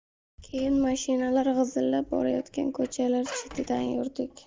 keyin mashinalar g'izillab borayotgan ko'chalar chetidan yurdik